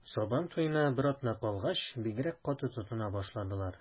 Сабан туена бер атна калгач, бигрәк каты тотына башладылар.